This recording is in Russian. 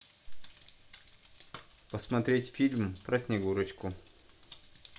посмотреть фильм про снегурочку